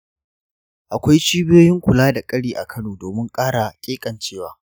akwai cibiyoyin kula da ƙari a kano domin ƙara ƙeƙancewa.